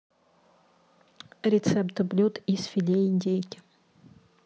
рецепты блюд из филе индейки